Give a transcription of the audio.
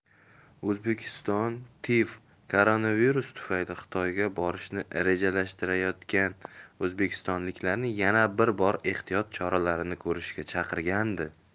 o'zbekiston tiv koronavirus tufayli xitoyga borishni rejalashtirayotgan o'zbekistonliklarni yana bir bor ehtiyot choralarini ko'rishga chaqirgandi